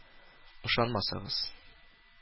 Ышанмасагыз